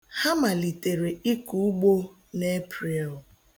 Ha malitere ịkọ ugbo n'Epreel.